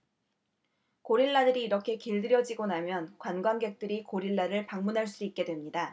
고릴라들이 이렇게 길들여지고 나면 관광객들이 고릴라를 방문할 수 있게 됩니다